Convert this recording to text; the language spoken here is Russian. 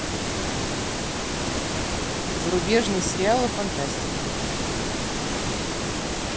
зарубежные сериалы фантастика